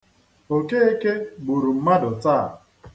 Okeke gburu mmadụ taa.